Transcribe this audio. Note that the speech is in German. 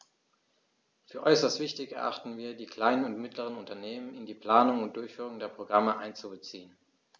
Für äußerst wichtig erachten wir, die kleinen und mittleren Unternehmen in die Planung und Durchführung der Programme einzubeziehen.